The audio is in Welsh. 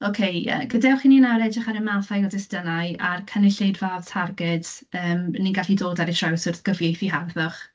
Ocê ie, gadewch i ni nawr edrych ar y mathau o destunau a'r cynulleidfaoedd targed yym 'y ni'n gallu ddod ar eu traws wrth gyfieithu harddwch.